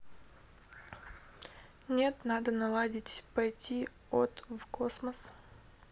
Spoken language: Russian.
нет надо наладить пойти от в космос